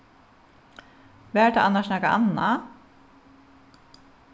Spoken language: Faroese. var tað annars nakað annað